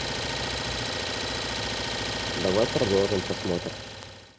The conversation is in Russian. давай продолжим просмотр